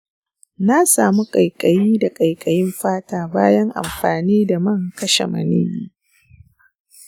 na samu ƙaiƙayi da ƙaiƙayin fata bayan amfani da man kashe maniyyi.